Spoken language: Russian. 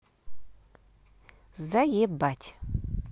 заебать